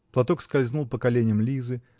Платок скользнул по коленям Лизы.